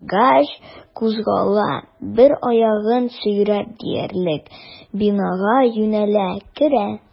Арыгач, кузгала, бер аягын сөйрәп диярлек бинага юнәлә, керә.